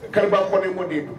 Kari kɔnɔni ko de